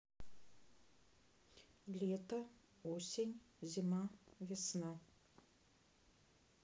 лето осень зима весна